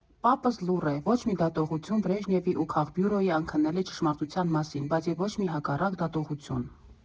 Պապս լուռ է, ոչ մի դատողություն Բրեժնևի ու քաղբյուրոյի անքննելի ճշտության մասին, բայց և ոչ մի հակառակ դատողություն։